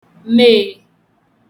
mee